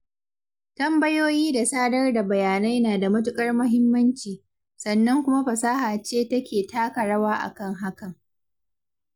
Tambayoyi da sadar da bayanai na da matuƙar muhimmanci, sannan kuma fasaha ce take taka rawa a kan hakan.